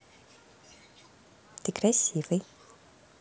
ты красивый